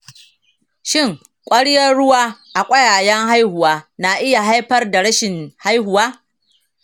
shin ƙwaryar ruwa a ƙwayayen haihuwa na iya haifar da rashin haihuwa?